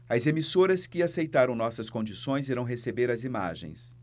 as emissoras que aceitaram nossas condições irão receber as imagens